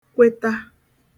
kweta